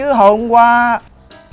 chứ hồi hôm qua